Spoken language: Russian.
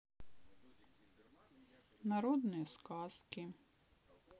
народные сказки